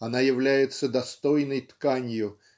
она является достойной тканью